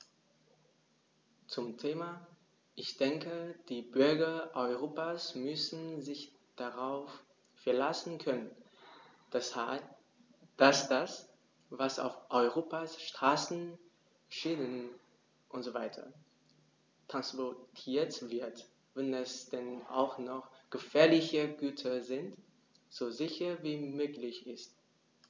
Zum Thema: Ich denke, die Bürger Europas müssen sich darauf verlassen können, dass das, was auf Europas Straßen, Schienen usw. transportiert wird, wenn es denn auch noch gefährliche Güter sind, so sicher wie möglich ist.